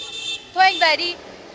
thôi anh về đi